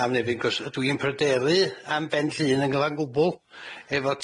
am Nefyn 'c'os ydw i'n pryderu am Ben Llŷn yn gyfan gwbwl efo